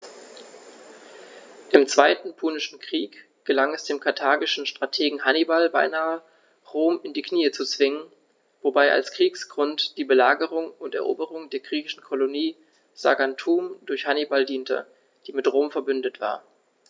Im Zweiten Punischen Krieg gelang es dem karthagischen Strategen Hannibal beinahe, Rom in die Knie zu zwingen, wobei als Kriegsgrund die Belagerung und Eroberung der griechischen Kolonie Saguntum durch Hannibal diente, die mit Rom „verbündet“ war.